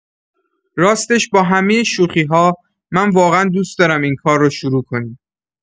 راستش با همۀ شوخی‌ها، من واقعا دوست دارم این کار رو شروع کنیم.